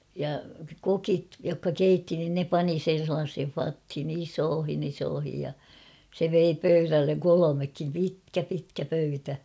ja kokit jotka keitti niin ne pani sen sellaiseen vatiin isoihin isoihin ja se vei pöydälle kolmekin pitkä pitkä pöytä